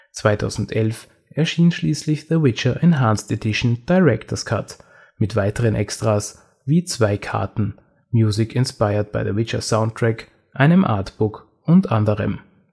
2011 erschien schließlich The Witcher: Enhanced Edition (Director 's Cut) mit weiteren Extras wie zwei Karten, „ music-inspired-by-The-Witcher “- Soundtrack, einem Artbook und anderem